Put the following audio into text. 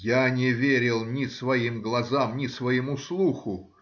Я не верил ни своим глазам, ни своему слуху